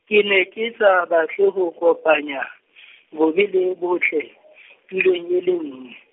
ke ne ke sa batle ho kopanya, bobe le botle , tulong e le nngwe.